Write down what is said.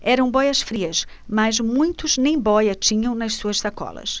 eram bóias-frias mas muitos nem bóia tinham nas suas sacolas